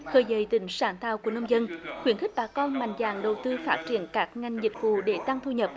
khơi dậy tính sáng tạo của nông dân khuyến khích bà con mạnh dạn đầu tư phát triển các ngành dịch vụ để tăng thu nhập